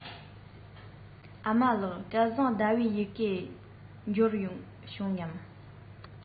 ཨ མ ལགས སྐལ བཟང ཟླ བའི ཡི གེ འབྱོར བྱུང ངམ